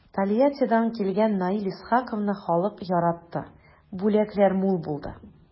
Тольяттидан килгән Наил Исхаковны халык яратты, бүләкләр мул булды.